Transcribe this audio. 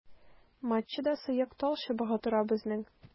Матчада сыек талчыбыгы тора безнең.